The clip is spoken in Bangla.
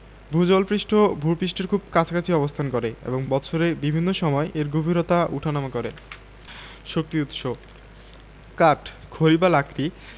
ভূ জল পৃষ্ঠ ভূ পৃষ্ঠের খুব কাছাকাছি অবস্থান করে এবং বৎসরের বিভিন্ন সময় এর গভীরতা উঠানামা করে শক্তির উৎসঃ কাঠ খড়ি বা লাকড়ি